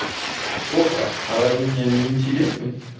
okko а разве у меня не итересный